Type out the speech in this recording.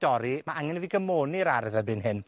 dorri, ma' angen i fi gymoni'r ardd erbyn hyn.